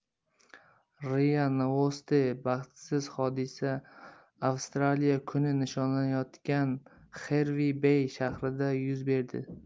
ria novosti baxtsiz hodisa avstraliya kuni nishonlanayotgan xervi bey shahrida yuz berdi